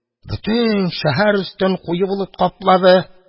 Бөтен шәһәр өстен куе болыт каплады